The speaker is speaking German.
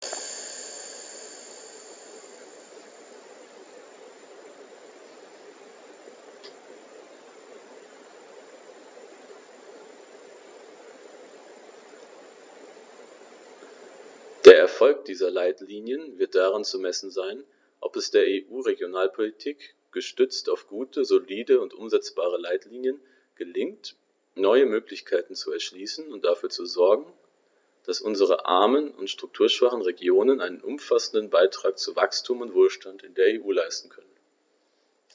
Der Erfolg dieser Leitlinien wird daran zu messen sein, ob es der EU-Regionalpolitik, gestützt auf gute, solide und umsetzbare Leitlinien, gelingt, neue Möglichkeiten zu erschließen und dafür zu sogen, dass unsere armen und strukturschwachen Regionen einen umfassenden Beitrag zu Wachstum und Wohlstand in der EU leisten können.